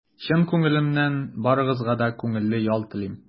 Чын күңелемнән барыгызга да күңелле ял телим!